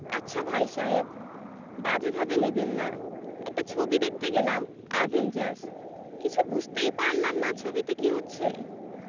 আচ্ছা ভাই সাহেব বাজে ভাবে নেবেন না একটা ছবি দেখতে গেলাম অ্যাভেঞ্জার্স কিছু বুঝতেই পারলাম না ছবিতে কী হচ্ছে